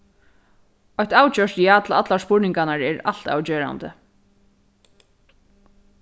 eitt avgjørt ja til allar spurningarnar er altavgerandi